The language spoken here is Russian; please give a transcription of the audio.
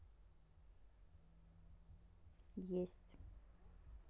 есть